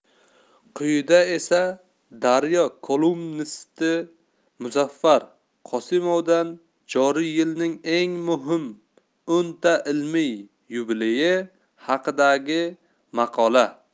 quyida esa daryo kolumnisti muzaffar qosimovdan joriy yilning eng muhim o'nta ilmiy yubileyi haqidagi maqola